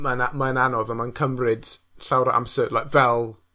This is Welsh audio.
mae'n a-, mae'n anodd a ma'n cymryd llawr o amser li- fel